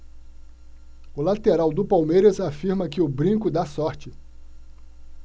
o lateral do palmeiras afirma que o brinco dá sorte